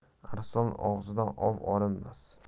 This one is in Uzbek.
arslon og'zidan ov olinmas